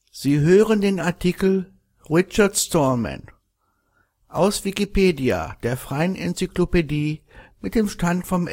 Sie hören den Artikel Richard Stallman, aus Wikipedia, der freien Enzyklopädie. Mit dem Stand vom